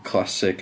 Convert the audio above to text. Classic.